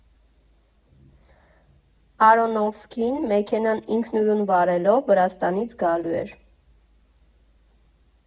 Արոնոֆսկին՝ մեքենան ինքնուրույն վարելով, Վրաստանից գալու էր.